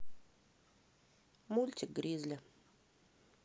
мультик гризли